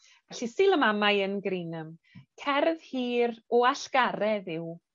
Felly Sul y Mamau yn Greenham. Cerdd hir o allgaredd yw